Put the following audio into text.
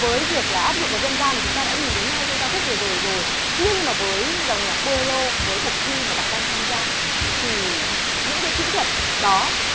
với việc là áp dụng vào dân gian thì chúng ta đã nhìn thấy ngay trong ca khúc vừa rồi rồi nhưng mà với dòng nhạc bô lê rô với cuộc thi mà bạn đang tham gia thì những cái kỹ thuật đó